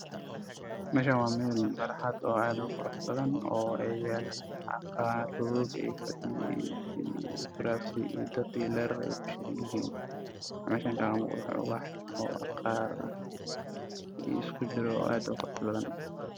Waa meel maqaayad waxaa yaal kuraas iyo miisaastan ayaa fadhiyo dheer ayaa ka ifaayo dhulka waa roog cagaar